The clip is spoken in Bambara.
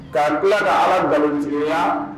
Kalan ka ala gɛlɛn miya